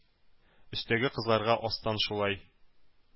Өстәге кызларга астан шулай